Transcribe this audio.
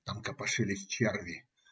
Там копошились черви.